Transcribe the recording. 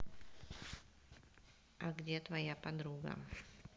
а где твоя подруга